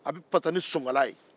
a bɛ pasa ni sonkala ye